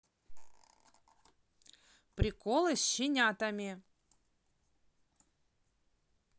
приколы с щенятами